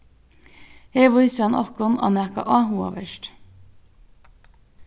her vísir hann okkum á nakað áhugavert